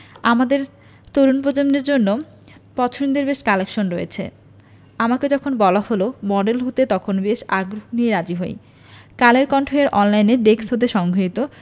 আমাদের তরুণ প্রজন্মের জন্য পছন্দের বেশ কালেকশন রয়েছে আমাকে যখন বলা হলো মডেল হতে তখন বেশ আগ্রহ নিয়েই রাজি হই কালের কণ্ঠ এর অনলাইনে ডেস্ক হতে সংগৃহীত